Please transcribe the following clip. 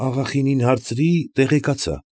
Աղախինին հարցրի, տեղեկացա։